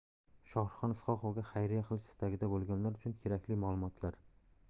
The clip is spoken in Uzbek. shohruxxon isoqovga xayriya qilish istagida bo'lganlar uchun kerakli ma'lumotlar